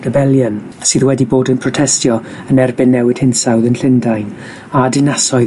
Rebelion* sydd wedi bod yn protestio yn erbyn newid hinsawdd yn Llundain a dinasoedd